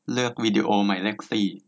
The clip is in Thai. เลือกวิดีโอหมายเลขสี่